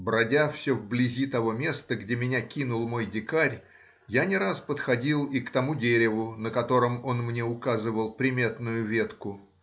Бродя все вблизи того места, где меня кинул мой дикарь, я не раз подходил и к тому дереву, на котором он мне указывал приметную ветку